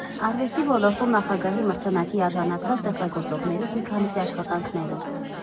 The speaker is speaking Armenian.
Արվեստի ոլորտում Նախագահի մրցանակի արժանացած ստեղծագործողներից մի քանիսի աշխատանքները։